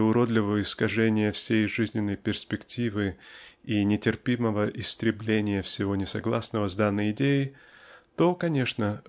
до уродливого искажения всей жизненной перспективы и нетерпимого истребления всего несогласного с данной идеей --то конечно